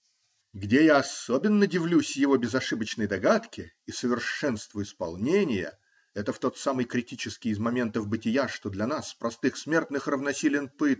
Где я особенно дивлюсь его безошибочной догадке и совершенству исполнения -- это в тот самый критический из моментов бытия, что для нас, простых смертных, равносилен пытке